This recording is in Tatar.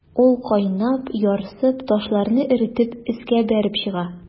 Ул кайнап, ярсып, ташларны эретеп өскә бәреп чыга.